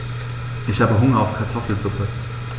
Ich habe Hunger auf Kartoffelsuppe.